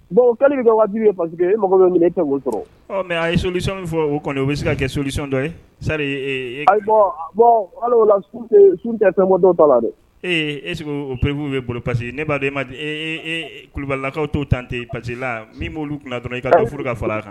Bon ka bɛ ka waatijibi ye paseke e mako ɲini e tɛ wo sɔrɔ mɛ a ye solisɔn fɔ o kɔnɔ o bɛ se ka kɛ solisɔn dɔ ye sari tɛ dɔ la dɛ ee ese o perepibuu bɛ bolo pa que ye ne b' e ma di kubalilakaw t'o tante pa parce que la min b' oluolu dɔrɔn i k'a furuuru ka fara a kan